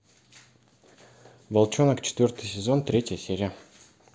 волчонок четвертый сезон третья серия